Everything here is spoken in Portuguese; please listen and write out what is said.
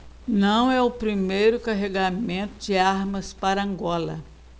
não é o primeiro carregamento de armas para angola